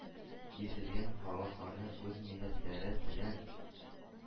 Изелгән халыкларның үз милләтләре телен,